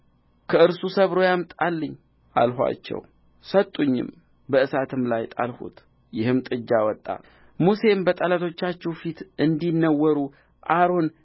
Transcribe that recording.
ከእርሱ ሰብሮ ያምጣልኝ አልኋቸው ሰጡኝም በእሳትም ላይ ጣልሁት ይህም ጥጃ ወጣ ሙሴም በጠላቶቻቸው ፊት እንዲነወሩ አሮን